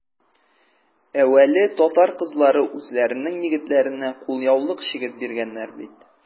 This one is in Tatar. Әүвәле татар кызлары үзләренең егетләренә кулъяулык чигеп биргәннәр бит.